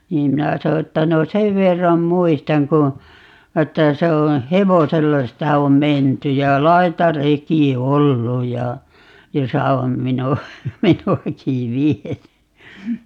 niin minä sanoin että no sen verran muistan kun että se on hevosella sitä on menty ja laitareki ollut ja jossa on minua minuakin viety